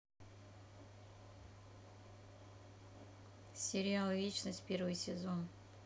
сериал вечность первый сезон